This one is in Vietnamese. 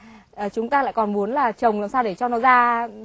chúng ta lại còn muốn là trồng làm sao để cho nó ra